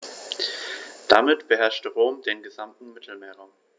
Damit beherrschte Rom den gesamten Mittelmeerraum.